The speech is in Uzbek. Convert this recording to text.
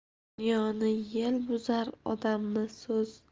dunyoni yel buzar odamni so'z